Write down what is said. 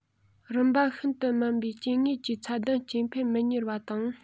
རིམ པ ཤིན ཏུ དམན པའི སྐྱེ དངོས ཀྱིས མཚན ལྡན སྐྱེ འཕེལ མི གཉེར བ དང